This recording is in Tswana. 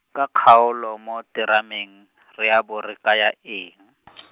ka kgaolo mo terameng, re a bo re kaya eng ?